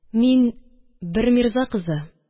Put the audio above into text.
Мин бер мирза кызы